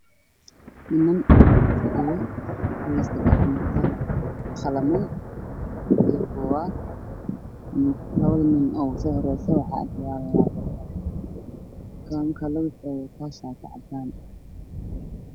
Niman fadhiyo kuhewsto gacamaha qaliman iyo buugag labada nin oo soo horaysa waxaa ag yaal labtoob kan kale woxoo waraa shati cadan